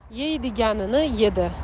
yeydiganini yedi